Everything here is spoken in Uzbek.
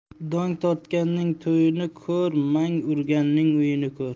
dong tortganning to'yini ko'r mang urganning uyini ko'r